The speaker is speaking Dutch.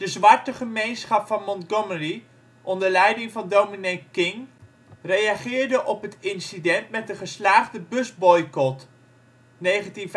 zwarte gemeenschap van Montgomery, onder leiding van dominee King, reageerde op het incident met een geslaagde busboycot (1955-56